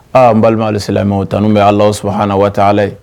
Aa n balimaale silamɛmɛ o tanu bɛ ala su hana waati ala ye